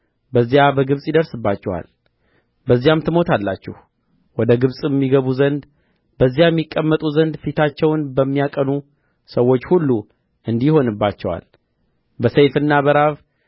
በዚያ በግብጽ ይደርስባቸኋል በዚያም ትሞታላችሁ ወደ ግብጽም ይገቡ ዘንድ በዚያም ይቀመጡ ዘንድ ፊታቸውን በሚያቀኑ ሰዎች ሁሉ እንዲህ ይሆንባቸዋል በሰይፍና በራብ